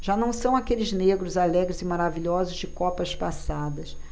já não são aqueles negros alegres e maravilhosos de copas passadas